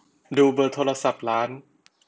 ดูเบอร์โทรศัพท์ร้าน